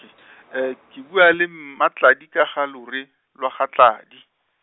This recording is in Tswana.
ke bua le Mmatladi ka ga lore, lwa ga Tladi.